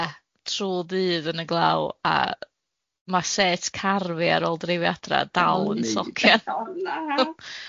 ia, trw dydd yn y glaw, a ma' set car fi ar ôl drefio adra dal yn socian.